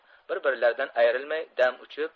bir birlaridan ayrilmay dam uchib